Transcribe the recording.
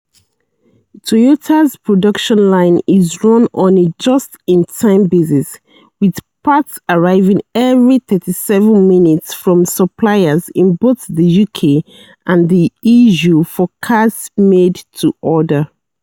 Toyota's production line is run on a "just-in-time" basis, with parts arriving every 37 minutes from suppliers in both the UK and the EU for cars made to order.